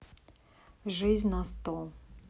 жизнь на сто